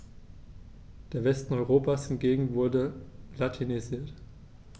Der Westen Europas hingegen wurde latinisiert.